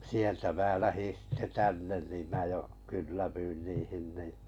sieltä minä lähdin sitten tänne niin minä jo kylläännyin niihin niin